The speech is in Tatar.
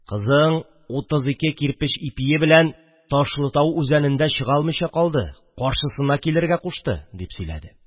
«кызың утыз ике кирпеч ипие белән ташлытау үзәнендә чыга алмыйча калды, каршысына килергә кушты», – дип сөйләде